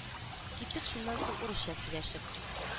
Киттек шуннан соң урысча сөйләшеп